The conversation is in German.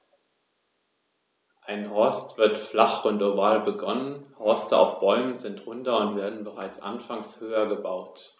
Ein Horst wird flach und oval begonnen, Horste auf Bäumen sind runder und werden bereits anfangs höher gebaut.